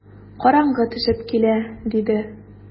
Караңгы төшеп килә, - диде.